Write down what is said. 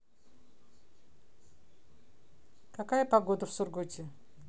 какая погода в сургуте